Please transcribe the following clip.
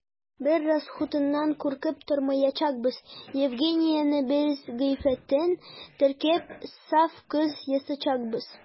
Без расхутыннан куркып тормаячакбыз: Евгениябезнең гыйффәтен тектереп, саф кыз ясаячакбыз.